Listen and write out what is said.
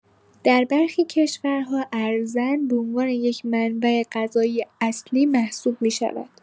در برخی کشورها، ارزن به عنوان یک منبع غذایی اصلی محسوب می‌شود.